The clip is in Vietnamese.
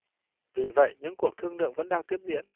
vì vậy những cuộc thương lượng vẫn đang tiếp diễn